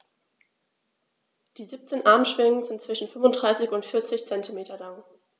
Die 17 Armschwingen sind zwischen 35 und 40 cm lang.